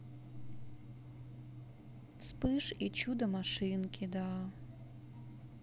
вспыш и чудо машинки да